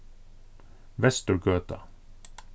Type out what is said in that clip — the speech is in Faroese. vesturgøta